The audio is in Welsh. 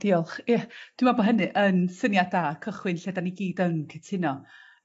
Diolch ie dwi me'wl bo' hynny yn syniad da cychwyn lle 'dan ni gyd yn cytuno.